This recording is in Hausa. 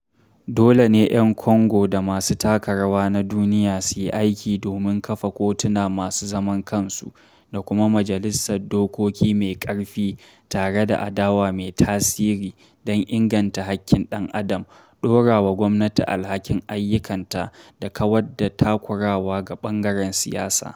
Dole ne ‘yan Congo da masu taka rawa na duniya su yi aiki don kafa kotuna masu zaman kansu, da kuma majalisar dokoki mai ƙarfi tare da adawa mai tasiri don inganta haƙƙin ɗan adam, ɗorawa gwamnati alhakin ayyukanta, da kawar da takurawa ga ɓangaren siyasa.